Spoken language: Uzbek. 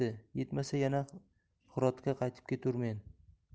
yetmasa yana hirotga qaytib keturmen